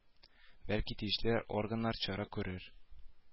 Бәлки тиешле органнар чара күрер